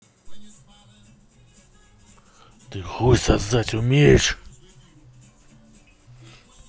ты хуй сосать умеешь